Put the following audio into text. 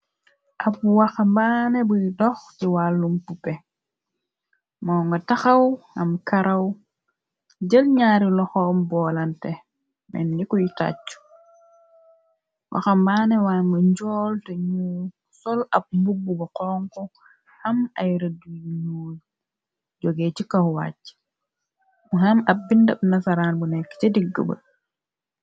Ab waxambaane buy dox ci wàllum pupe, moo nga taxaw am karaw, jël ñaari loxoom boolante men nikuy tàcc, waxa mbaane wanbu njool te nu sol ab mbugg bu xonko, am ay rëddu ñuo joge ci kawwàcc, bu am ab bindëb nasaraan bu nekk ca digg ba.